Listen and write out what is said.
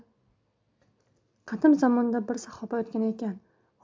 qadim zamonda bir saxoba o'tgan ekan